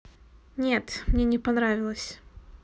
нет мне не понравилось